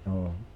joo